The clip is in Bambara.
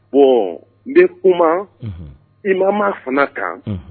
Bon n bɛ kuma IMAMA fana kan.